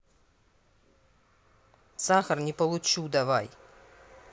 сахар не получу давай